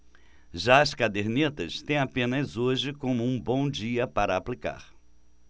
já as cadernetas têm apenas hoje como um bom dia para aplicar